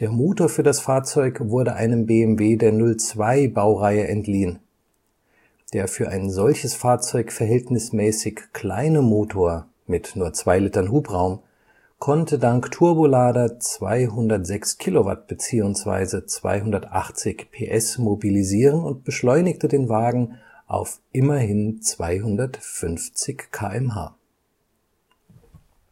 Motor für das Fahrzeug wurde einem BMW der 02-Baureihe entliehen. Der für ein solches Fahrzeug verhältnismäßig kleine Motor mit nur 2 Litern Hubraum konnte dank Turbolader 206 kW/280 PS mobilisieren und beschleunigte den Wagen auf immerhin 250 km/h